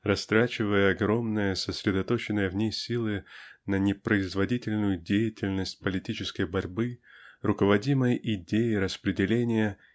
растрачивая огромные сосредоточенные в ней силы на непроизводительную деятельность политической борьбы руководимой идеей распределения